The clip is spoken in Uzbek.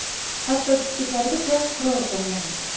hatto kipriklarigacha qirov qo'ngan edi